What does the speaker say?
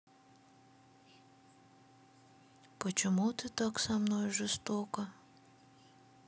почему ты так со мной жестока